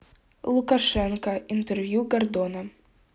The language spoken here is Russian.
лукашенко интервью гордона